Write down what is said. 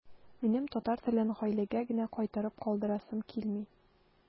Минем татар телен гаиләгә генә кайтарып калдырасым килми.